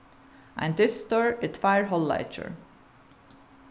ein dystur er tveir hálvleikir